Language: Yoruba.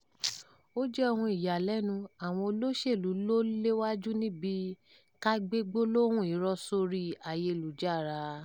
Ó jẹ́ ohun ìyàlẹ́nu, àwọn olóṣèlúu ló léwájú níbi ká gbé gbólóhùn irọ́ sórí ayélujára.